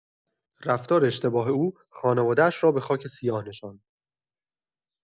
رفتار اشتباه او خانواده‌اش را به خاک سیاه نشاند.